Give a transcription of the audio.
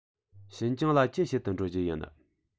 ཤིན ཅང ལ ཅི བྱེད དུ འགྲོ རྒྱུ ཡིན